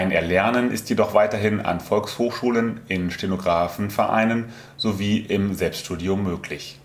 Erlernen ist jedoch weiterhin an Volkshochschulen, in Stenografenvereinen sowie im Selbststudium möglich